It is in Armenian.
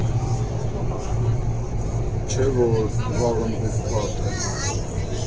Չէ՞ որ վաղն ուրբաթ է։